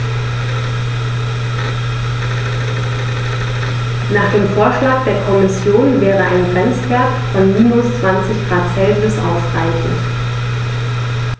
Nach dem Vorschlag der Kommission wäre ein Grenzwert von -20 ºC ausreichend.